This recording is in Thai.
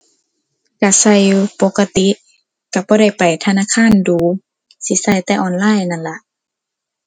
ก็ก็อยู่ปกติ ก็บ่ได้ไปธนาคารดู๋ สิก็แต่ออนไลน์นั่นล่ะ